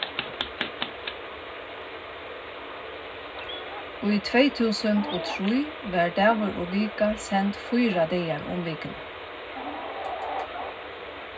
í tvey túsund og trý varð dagur og vika send fýra dagar um vikuna